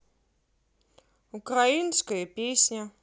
украинская песня